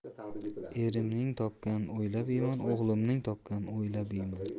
erimning topganini o'ynab yeyman o'g'limning topganini o'ylab yeyman